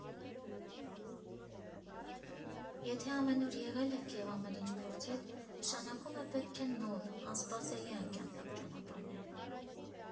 Եթե ամենուր եղել եք և ամեն ինչ փորձել, նշանակում է պետք են նոր, անսպասելի անկյան տակ ճամփաներ։